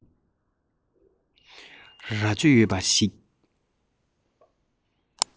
རྭ ཅོ ཡོད པ ཞིག